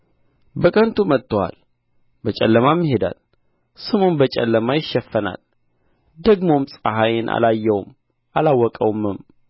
በከንቱ መጥቶአል በጨለማ ይሄዳል ስሙም በጨለማ ይሸፈናል ደግሞም ፀሐይን አላየውም አላወቀውምም